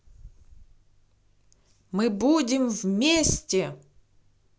мы будем вместе